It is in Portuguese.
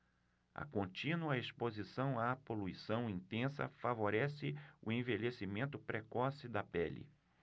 a contínua exposição à poluição intensa favorece o envelhecimento precoce da pele